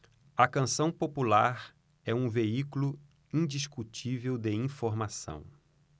a canção popular é um veículo indiscutível de informação